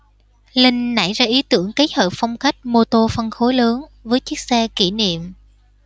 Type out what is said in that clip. linh nảy ra ý tưởng kếp hợp phong cách moto phân khối lớn với chiếc xe kỉ niệm